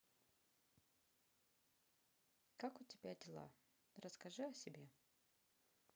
как у тебя дела расскажи о себе